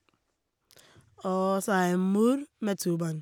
Og så er jeg mor med to barn.